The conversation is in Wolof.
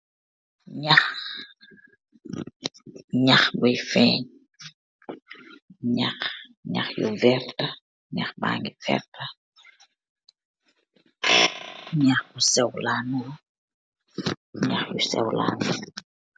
Njakhh, njakh buiyy fengh, njakh njakh yu vertah, njakhh bangy vertah, njakh bu sew la nduru, njakh yu sew la gis.